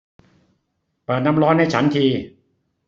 เปิดน้ำร้อนให้ฉันที